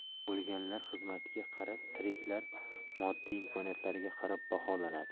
o'lganlar xizmatiga qarab tiriklar moddiy imkoniyatlariga qarab baholanadi